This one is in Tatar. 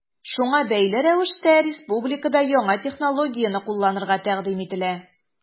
Шуңа бәйле рәвештә республикада яңа технологияне кулланырга тәкъдим ителә.